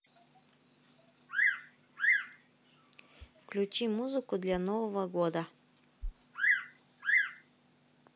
включи музыку для нового года